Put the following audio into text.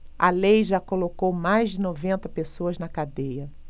a lei já colocou mais de noventa pessoas na cadeia